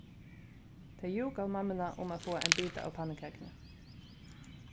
tey júkaðu mammuna um at fáa ein bita av pannukakuni